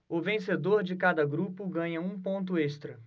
o vencedor de cada grupo ganha um ponto extra